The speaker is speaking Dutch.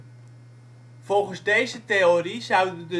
Volgens deze theorie zouden